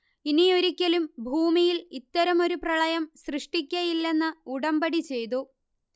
ഇനിയൊരിക്കലും ഭൂമിയിൽ ഇത്തരമൊരു പ്രളയം സൃഷ്ടിക്കയില്ലെന്ന് ഉടമ്പടി ചെയ്തു